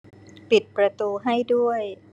ปิดประตูให้ด้วย